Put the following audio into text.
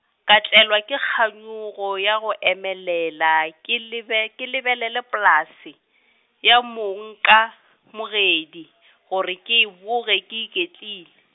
ka tlelwa ke kganyogo ya go emelela ke lebe, ke lebelele polase, ya monkamogedi , gore ke e boge ke iketlile.